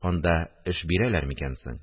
Анда эш бирәләр микән соң